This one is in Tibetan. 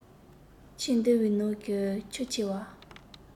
ཁྱིམ འདིའི ནང གི བུ ཆེ བ